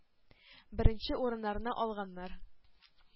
Беренче урыннарны алганнар,